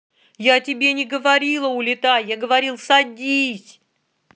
я тебе не говорила улетай я говорил садись